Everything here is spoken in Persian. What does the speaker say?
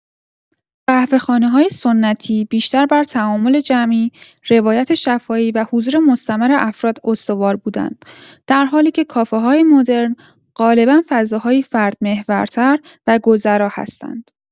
قهوه‌خانه‌های سنتی بیشتر بر تعامل جمعی، روایت شفاهی و حضور مستمر افراد استوار بودند، در حالی که کافه‌های مدرن غالبا فضاهایی فردمحورتر و گذرا هستند.